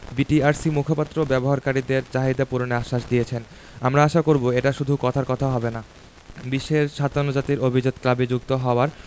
বিটিআরসির মুখপাত্র ব্যবহারকারীদের চাহিদা পূরণের আশ্বাস দিয়েছেন আমরা আশা করব এটা শুধু কথার কথা হবে না বিশ্বের ৫৭ জাতির অভিজাত ক্লাবে যুক্ত হওয়ার